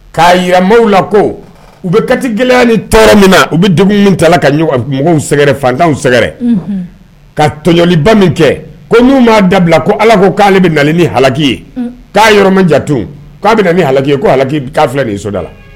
K'a yi maaww la ko u bɛ kaya ni tɔɔrɔ min na u bɛ dumuni min ta ka mɔgɔwgɛrɛ fantanw sɛgɛrɛ ka tɔjliba min kɛ ko n'u m'a dabila ko ala ko k'ale bɛ na ni haki ye k'a yɔrɔ man ja k'a bɛ na ni hakiliki ye ko haki'fi nin soda la